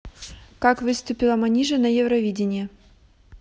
как выступила манижа на евровидении